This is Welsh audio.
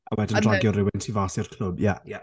A wedyn dragio rywun tu fas i'r clwb, ie, ie.